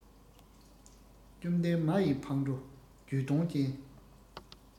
བཅོམ ལྡན མ ཡི ཕང འགྲོ རྒྱུད སྟོང ཅན